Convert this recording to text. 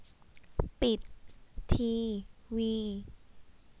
ปิดทีวี